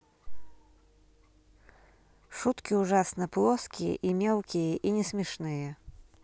шутки ужасно плоские и мелкие и не смешные